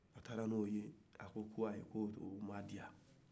a taara ni o ye a ko ko ayi o m'a diya